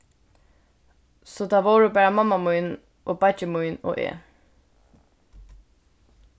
so tað vóru bara mamma mín og beiggi mín og eg